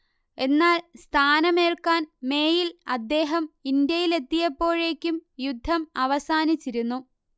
എന്നാൽ സ്ഥാനമേൽക്കാൻ മേയിൽ അദ്ദേഹം ഇന്ത്യയിലെത്തിയപ്പോഴേക്കും യുദ്ധം അവസാനിച്ചിരുന്നു